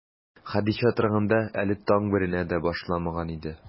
Хәдичә торганда, әле таң беленә дә башламаган иде.